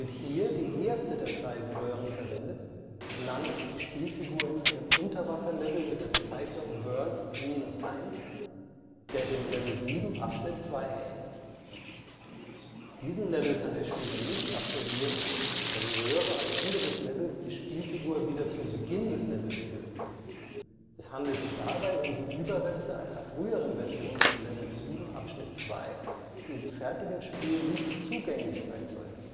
hier die erste der drei Röhren verwendet, landet die Spielfigur in einem Unterwasser-Level mit der Bezeichnung „ World -1 “, der dem Level 7-2 ähnelt. Diesen Level kann der Spieler nicht absolvieren, da die Röhre am Ende des Levels die Spielfigur wieder zum Beginn des Levels führt. Es handelt sich dabei um die Überreste einer früheren Version des Levels 7-2, die im fertigen Spiel nicht zugänglich sein sollten